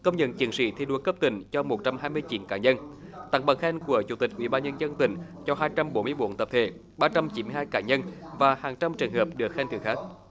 công nhận chiến sĩ thi đua cấp tỉnh cho một trăm hai mươi chín cá nhân tặng bằng khen của chủ tịch ủy ban nhân dân tỉnh cho hai trăm bốn mươi bốn tập thể ba trăm chín mươi hai cá nhân và hàng trăm trường hợp được khen thưởng khác